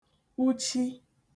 uchi